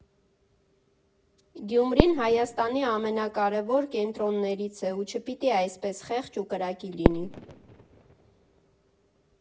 Գյումրին Հայաստանի ամենակարևոր կենտրոններից է ու չպիտի այսպես խեղճ ու կրակի լինի։